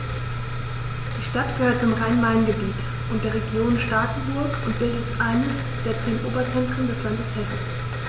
Die Stadt gehört zum Rhein-Main-Gebiet und der Region Starkenburg und bildet eines der zehn Oberzentren des Landes Hessen.